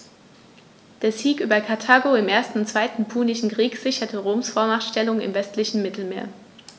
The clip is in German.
Der Sieg über Karthago im 1. und 2. Punischen Krieg sicherte Roms Vormachtstellung im westlichen Mittelmeer.